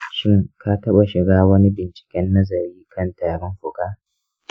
shin ka taɓa shiga wani binciken nazari kan tarin fuka?